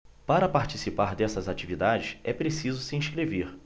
para participar dessas atividades é preciso se inscrever